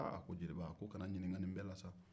aa jeliba ka na n ɲininka nin bɛɛ la sa